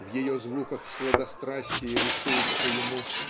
В ее звуках сладострастие рисуется ему